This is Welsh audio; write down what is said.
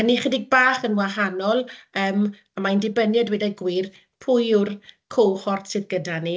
ma' hynny chydig bach yn wahanol, yym, a mae'n dibynnu a dweud y gwir pwy yw'r cohort sydd gyda ni,